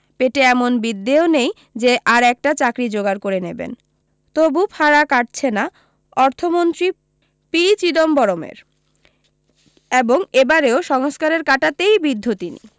পেটে এমন বিদ্যেও নেই যে আর একটা চাকরী জোগাড় করে নেবেন তবু ফাঁড়া কাটছে না অর্থমন্ত্রী পি চিদম্বরমের এবং এ বারেও সংস্কারের কাঁটাতেই বিদ্ধ তিনি